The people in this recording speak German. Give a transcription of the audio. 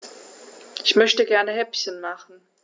Ich möchte gerne Häppchen machen.